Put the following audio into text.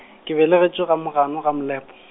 ke belegetšwe Mogano, gaMolepo.